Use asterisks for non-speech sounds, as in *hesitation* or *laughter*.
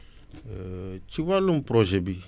*hesitation* ci wàllum projet bi